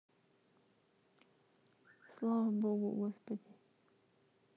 слава богу господи